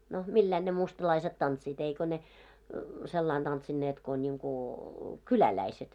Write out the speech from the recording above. no millä lailla ne mustalaiset tanssivat eikä ne sillä lailla tanssinneet kun niin kuin kyläläiset